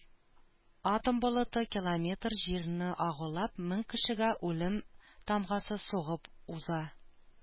Атом болыты километр җирне агулап мең кешегә үлем тамгасы сугып уза.